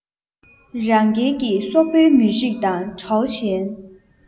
རང རྒྱལ གྱི སོག པོའི མི རིགས དང ཁྲོའོ ཞན